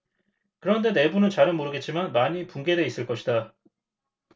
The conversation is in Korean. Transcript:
그런데 내부는 잘은 모르겠지만 많이 붕괴돼 있을 것이다